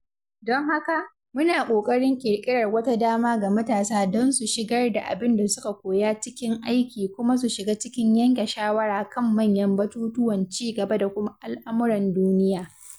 Don haka, muna ƙoƙarin ƙirƙirar wata dama ga matasa don su shigar da abin da suka koya cikin aiki kuma su shiga cikin yanke shawara kan manyan batutuwan ci gaba da kuma al'amuran duniya.